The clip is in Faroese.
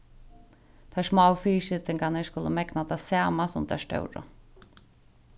tær smáu fyrisitingarnar skulu megna tað sama sum tær stóru